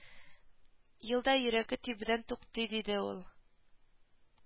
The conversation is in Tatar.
Елда йөрәге тибүдән туктый диде ул